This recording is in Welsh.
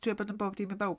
Dwi am bod yn bob dim i bawb.